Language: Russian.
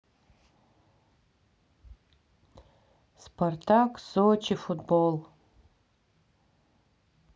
спартак сочи футбол